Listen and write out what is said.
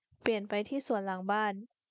เปลี่ยนไปที่สวนหลังบ้าน